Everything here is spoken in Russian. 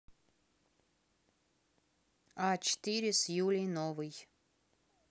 а четыре с юлей новый